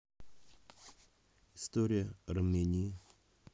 история армении